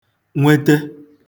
nwete